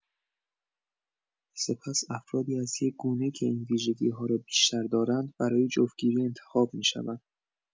سپس افرادی از یک گونه که این ویژگی‌ها را بیشتر دارند، برای جفت‌گیری انتخاب می‌شوند.